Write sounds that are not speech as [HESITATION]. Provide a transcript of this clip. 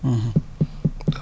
[HESITATION] [HESITATION] [NOISE]